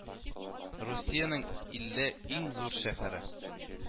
Русиянең илле иң зур шәһәре